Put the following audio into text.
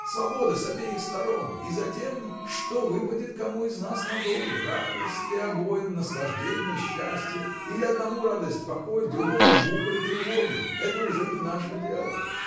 Свобода с обеих сторон — и затем — что выпадет кому из нас на долю: радость ли обоим, наслаждение, счастье, или одному радость, покой, другому мука и тревоги — это уже не наше дело.